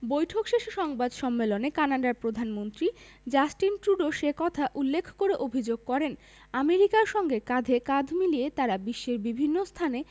বৈঠক শেষে সংবাদ সম্মেলনে কানাডার প্রধানমন্ত্রী জাস্টিন ট্রুডো সে কথা উল্লেখ করে অভিযোগ করেন আমেরিকার সঙ্গে কাঁধে কাঁধ মিলিয়ে তারা বিশ্বের বিভিন্ন স্থানে